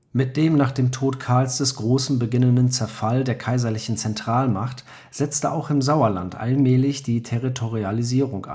Mit dem nach dem Tode Karls des Großen beginnenden Zerfall der kaiserlichen Zentralmacht setzte auch im Sauerland allmählich die Territorialisierung